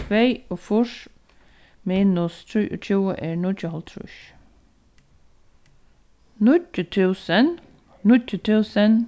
tveyogfýrs minus trýogtjúgu er níggjuoghálvtrýss níggju túsund níggju túsund